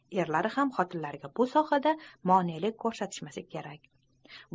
erlari ham xotinlariga bu borada monelik ko'rsatishmasa kerak